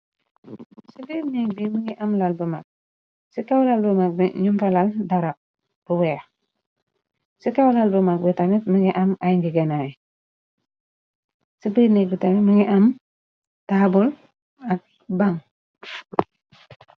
ci biirnék bi mingi am lal bu mag ci kawlal bu mag bi nu fa lal dara bu weex ci kawlal bu mag bi tamit mingi am ay ngi genaay ci biir négbi tamit mi ngi am taabul ak ban.